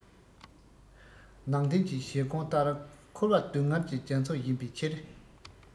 ནང བསྟན གྱི བཞེད དགོངས ལྟར འཁོར བ སྡུག བསྔལ གྱི རྒྱ མཚོ ཡིན པའི ཕྱིར